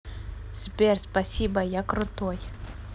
сбер спасибо я крутой